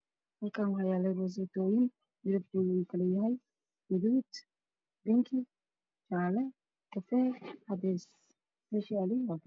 Halkaan waxaa yaalo rooseytooyin midabkoodu uu kale yahay gaduud, bingi, jaale, kafay iyo cadeys meesha ay yaaliin waa cadeys.